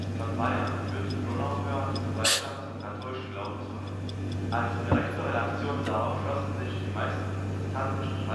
von Bayern führte Donauwörth gewaltsam zum katholischen Glauben zurück. Als direkte Reaktion darauf schlossen sich die meisten protestantischen